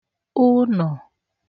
ụnọ̀